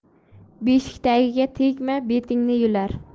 beshikdagiga tegma betingni yular